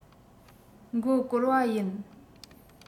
མགོ སྐོར བ ཡིན